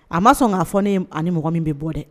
A ma sɔn ka fɔ ne ye m ani mɔgɔ min bɛ bɔ dɛ